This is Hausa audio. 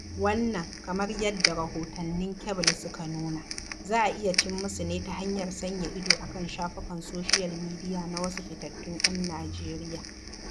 Wannan, kamar yadda rahotannin Cable suka nuna, za a iya cim musu ne ta hanyar sanya ido a kan shafukan soshiyal midiya na "wasu fitattun 'yan Najeriya".